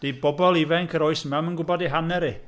Dydy bobl ifanc yr oes yma ddim yn gwbod eu haneri.